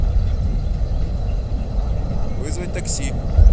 вызвать такси